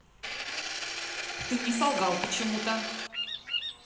ты мне солгал почему то